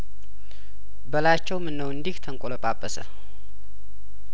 በላቸውም ነው እንዲህ ተንቆ ለጳጰሰ